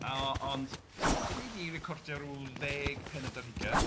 A, ond dan ni 'di recordio ryw ddeg pennod ar hugain.